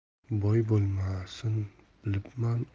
boy bo'lmasim bilibman